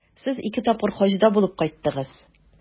Сез ике тапкыр Хаҗда булып кайттыгыз.